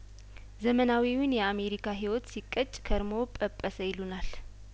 ዘመናዊውን የአምሪካ ሂዎት ሲቀጭ ከርሞ ጰጰሰ ይሉናል